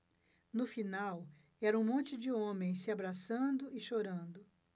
no final era um monte de homens se abraçando e chorando